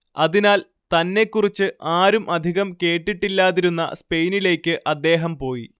അതിനാൽ തന്നെക്കുറിച്ച് ആരും അധികം കേട്ടിട്ടില്ലാതിരുന്ന സ്പെയിനിലേയ്ക്ക് അദ്ദേഹം പോയി